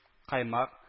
Каймак